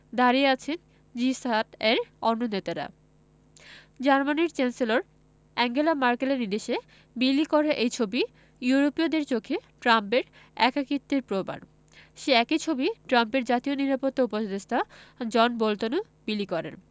দাঁড়িয়ে আছেন জি ৭ এর অন্য নেতারা জার্মানির চ্যান্সেলর আঙ্গেলা ম্যার্কেলের নির্দেশে বিলি করা এই ছবি ইউরোপীয়দের চোখে ট্রাম্পের একাকিত্বের প্রমাণ সেই একই ছবি ট্রাম্পের জাতীয় নিরাপত্তা উপদেষ্টা জন বোল্টনও বিলি করেন